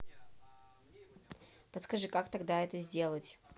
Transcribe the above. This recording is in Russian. подскажи тогда как это сделать